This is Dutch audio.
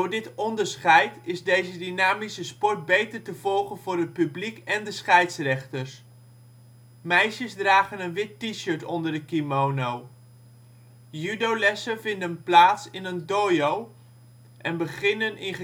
dit onderscheid is deze dynamische sport beter te volgen voor het publiek en de scheidsrechters. Meisjes dragen een wit T-shirt onder de kimono. Judolessen vinden plaats in een dojo en beginnen in